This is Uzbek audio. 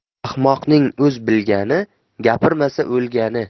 ahmoqning o'z bilgani gapirmasa o'lgani